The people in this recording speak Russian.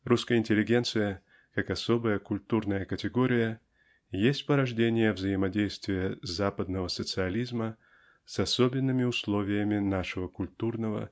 Русская интеллигенция как особая культурная категория есть порождение взаимодействия западного социализма с особенными условиями нашего культурного